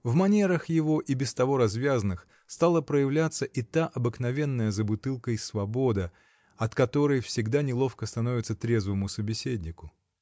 В манерах его, и без того развязных, стала появляться и та обыкновенная за бутылкой свобода, от которой всегда неловко становится трезвому собеседнику.